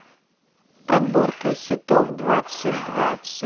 подборка хитов двадцать двадцать